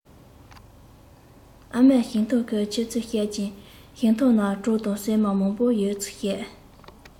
ཨ མས ཞིང ཐང གི ཆེ ཚུལ བཤད ཅིང ཞིང ཐང ན གྲོ དང སྲན མ མང པོ ཡོད ཚུལ བཤད